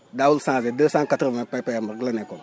daawul changer deux cent quatre vingt PPM la nekkoon